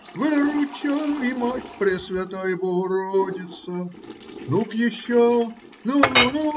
Выручай, мать пресвятая богородица! Ну-ка еще, ну, ну.